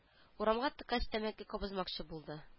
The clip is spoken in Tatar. Урамга чыккач тәмәке кабызмакчы булды